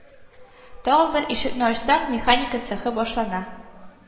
Тагын бер ишекне ачсаң, механика цехы башлана